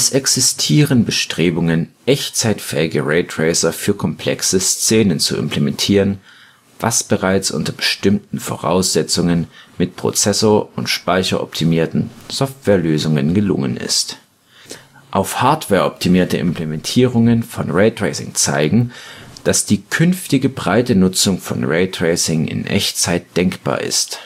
existieren Bestrebungen, echtzeitfähige Raytracer für komplexe Szenen zu implementieren, was bereits unter bestimmten Voraussetzungen mit prozessor - und speicheroptimierten Softwarelösungen gelungen ist. Auf Hardware optimierte Implementierungen von Raytracing zeigen, dass die künftige breite Nutzung von Raytracing im Echtzeitbereich denkbar ist